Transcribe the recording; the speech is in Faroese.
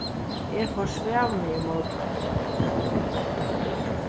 eg forsvav meg í morgun